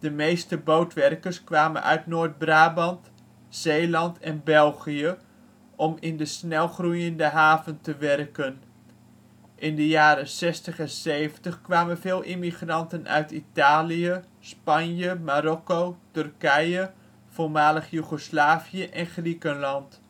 meeste " bootwerkers " kwamen uit Noord-Brabant, Zeeland en België om in de snel groeiende haven te werken. In de jaren 1960 en ' 70 kwamen veel immigranten uit Italië, Spanje, Marokko, Turkije, voormalig Joegoslavië en Griekenland